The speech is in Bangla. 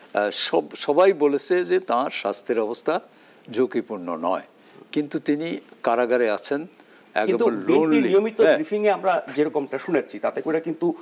সবাই বলেছে যে তার স্বাস্থ্যের অবস্থা ঝুঁকিপূর্ণ নন কিন্তু তিনি কারাগারে আছেন এবং লোনলি কিন্তু বিএনপি নিয়মিত ব্রিফিংয়ে আমরা যেরকম টা শুনেছি তাতে করে কিন্তু